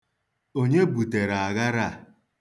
Onye butere aghara a?